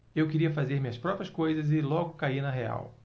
eu queria fazer minhas próprias coisas e logo caí na real